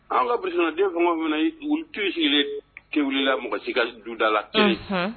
An ka brousse kɔnɔ den fɛn o fɛn mana ye u wul toyi sigilen ye thé wulila mɔgɔ si ka duda la kelen